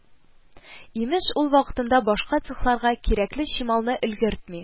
Имеш, ул вакытында башка цехларга кирәкле чималны өлгертми